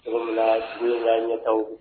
Tuma sigi'a ɲɛ